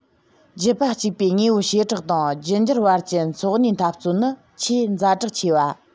རྒྱུད པ གཅིག པའི དངོས པོའི བྱེ བྲག དང རྒྱུད འགྱུར བར གྱི འཚོ གནས འཐབ རྩོད ནི ཆེས ཛ དྲག ཆེ བ